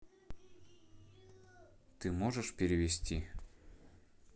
ты можешь перевести